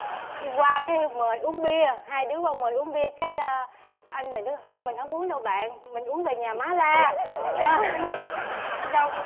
đi qua cái mời uống bia hai đứa qua mời uống bia cái anh này nói hôi mình không uống đâu bạn mình uống về nhà má la đó xong